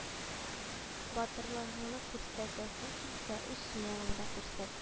Батырлыгыңны күрсәтәсең килсә үз сменаңда күрсәт